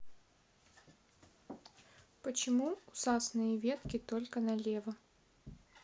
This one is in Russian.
почему у сасные ветки только налево